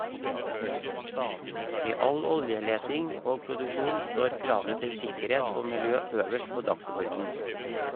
I all oljeleting og -produksjon står kravene til sikkerhet og miljø øverst på dagsordenen.